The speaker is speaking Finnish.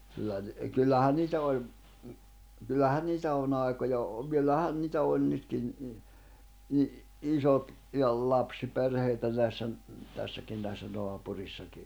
kyllä -- kyllähän niitä oli kyllähän niitä on aikoja - kyllähän niitä on nytkin - isot ja lapsiperheitä näissä tässäkin näissä naapureissakin